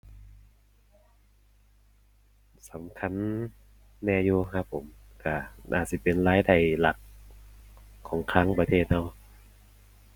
สำคัญแหน่อยู่ครับผม ก็น่าสิเป็นรายได้หลักของคลังประเทศก็